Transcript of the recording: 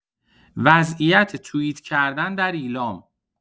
وضعیت توییت کردن در ایلام